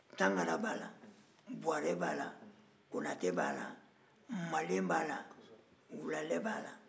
tangara b'a la buwarɛ b'a la konatɛ b'a la male b'a la wulalɛ b'a la